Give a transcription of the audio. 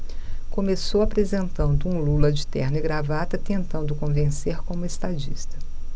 começou apresentando um lula de terno e gravata tentando convencer como estadista